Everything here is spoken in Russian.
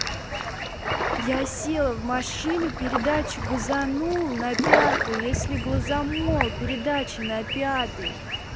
я села в машину передачу газанул на пятую если глазамол передача на пятый